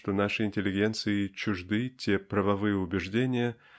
что нашей интеллигенции чужды те правовые убеждения